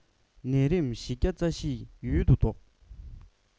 ནད རིམས བཞི བརྒྱ རྩ བཞི ཡུལ དུ བཟློག